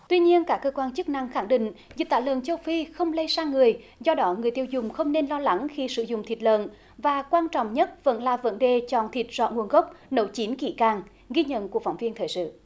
tuy nhiên các cơ quan chức năng khẳng định dịch tả lợn châu phi không lây sang người do đó người tiêu dùng không nên lo lắng khi sử dụng thịt lợn và quan trọng nhất vẫn là vấn đề chọn thịt rõ nguồn gốc nấu chín kỹ càng ghi nhận của phóng viên thời sự